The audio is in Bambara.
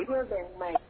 I bɛ kuma ye